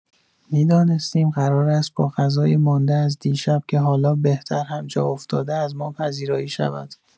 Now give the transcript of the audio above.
می‌دانستیم قرار است با غذای مانده از دیشب که حالا بهتر هم جا افتاده از ما پذیرایی شود.